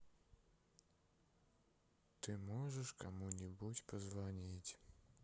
ты можешь кому нибудь позвонить